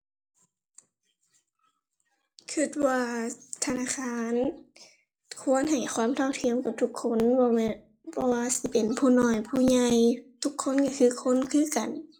คิดว่าธนาคารควรให้ความเท่าเทียมกับทุกคน บ่แม่น บ่ว่าสิเป็นผู้น้อยผู้ใหญ่ ทุกคนคิดคือคนคือกัน